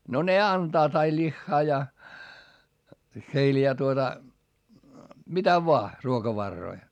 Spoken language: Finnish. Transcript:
no ne antavat aina lihaa ja heillä ja tuota mitä vain ruokavaroja